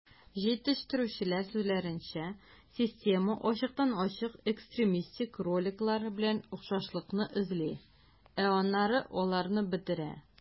Җитештерүчеләр сүзләренчә, система ачыктан-ачык экстремистик роликлар белән охшашлыкны эзли, ә аннары аларны бетерә.